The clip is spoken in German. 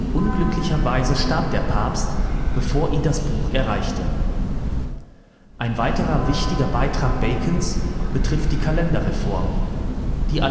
Unglücklicherweise starb der Papst, bevor ihn das Buch erreichte. Ein weiterer wichtiger Beitrag Bacons betrifft die Kalenderreform, die